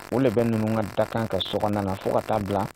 O de bɛ nun ka da kan ka soda fo ka taa bila